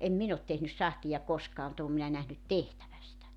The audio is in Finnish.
en minä ole tehnyt sahtia koskaan mutta olen minä nähnyt tehtävän sitä